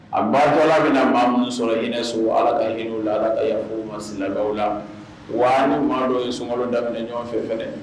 A bantɔla bɛna maa minnu sɔrɔ hinɛso ala ka hin'u la ala ka yaf'u ma silamɛw la, wa an ni maa dɔw ye sunkalo daminɛ ɲɔgɔn fɛ